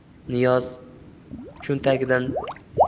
niyoz yon cho'ntagidan